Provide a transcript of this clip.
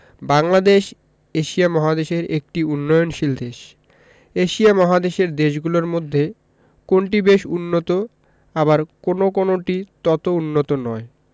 Bangladesh Asia মহাদেশের একটি উন্নয়নশীল দেশ এশিয়া মহাদেশের দেশগুলোর মধ্যে কোনটি বেশ উন্নত আবার কোনো কোনোটি তত উন্নত নয়